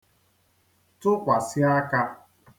tụkwasị aka